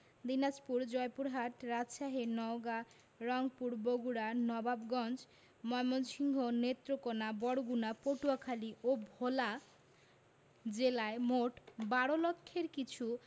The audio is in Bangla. দিনাজপুর জয়পুরহাট রাজশাহী নওগাঁ রংপুর বগুড়া নবাবগঞ্জ ময়মনসিংহ নেত্রকোনা বরগুনা পটুয়াখালী ও ভোলা জেলায় মোট ১২ লক্ষের কিছু